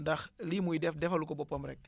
ndax lii muy def dafalu ko boppam rek